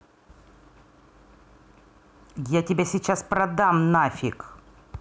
я тебя сейчас продам нафиг